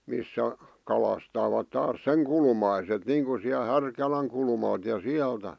missä kalastavat taas sen kulmaiset niin kuin siellä Härkälän kulmalta ja sieltä